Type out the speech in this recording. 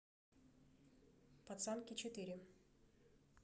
пацанки четыре